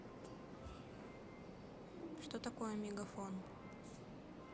что такое мегафон